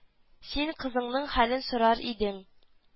Син кызыңның хәлен сорар идең